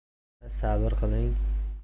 sabr qiling